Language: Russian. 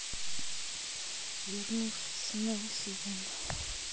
вернувшийся новый сезон